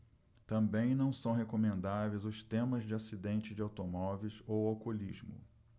também não são recomendáveis os temas de acidentes de automóveis ou alcoolismo